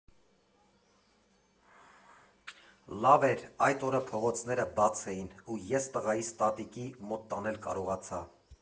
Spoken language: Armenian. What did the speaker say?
Լավ էր՝ այդ օրը փողոցները բաց էին, ու ես տղայիս տատիկի մոտ տանել կարողացա։